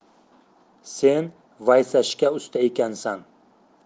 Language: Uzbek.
sen vaysashga usta ekansan